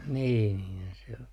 niin niinhän se on